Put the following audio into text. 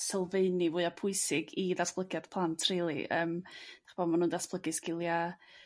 sylfaeni fwya' pwysig i ddatblygiad plânt rili yrm ch'mo' ma' nhw'n datblygu sgilia'